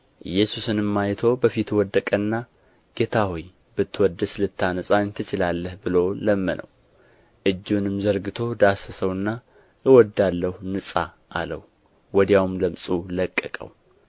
ኢየሱስንም አይቶ በፊቱ ወደቀና ጌታ ሆይ ብትወድስ ልታነጻኝ ትችላለህ ብሎ ለመነው እጁንም ዘርግቶ ዳሰሰውና እወዳለሁ ንጻ አለው ወዲያውም ለምጹ ለቀቀው